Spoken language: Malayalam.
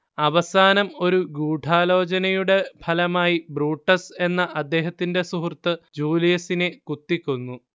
അവസാനം ഒരു ഗൂഡാലോചനയുടെ ഫലമായി ബ്രൂട്ടസ് എന്ന അദ്ദേഹത്തിന്റെ സുഹൃത്ത് ജൂലിയസിനെ കുത്തിക്കൊന്നു